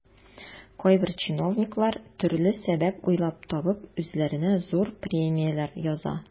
Кайбер чиновниклар, төрле сәбәп уйлап табып, үзләренә зур премияләр яза.